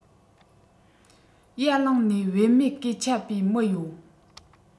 ཡར ལངས ནས བད མེད སྐད ཆ པའི མི ཡོད